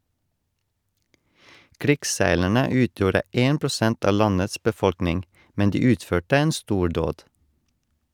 Krigsseilerne utgjorde 1 % av landets befolkning, men de utførte en stordåd.